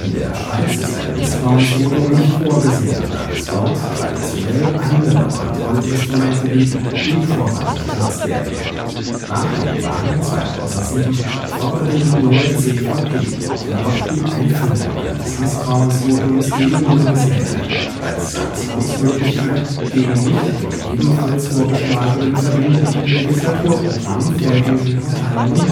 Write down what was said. der Schweiz ist ein Misstrauensvotum nicht vorgesehen, da es dort traditionell andere Kontrollinstrumente gibt, die vorrangig genutzt werden. Nach den Wahlen 2007 forderte die Junge CVP jedoch die Einführung eines Misstrauensvotums gegen Bundesräte, als Sanktionsmöglichkeit gegen nicht dem ebenfalls vorgeschlagenen verbindlichen Legislaturprogramm folgenden Parteien und